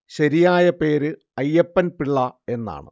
ശരിയായ പേര് അയ്യപ്പൻ പിള്ള എന്നാണ്